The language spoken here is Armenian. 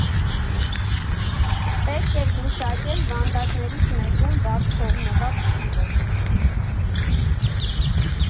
Պետք էր գուշակել վանդակներից մեկում բաց թողնված թիվը։